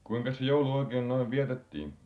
kuinkas se joulu oikein noin vietettiin